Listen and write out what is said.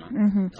Unhun